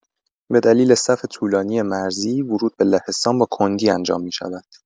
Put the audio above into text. بدلیل صف طولانی مرزی، ورود به لهستان با کندی انجام می‌شود.